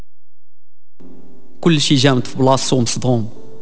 كل شيء بفلوس ومصدوم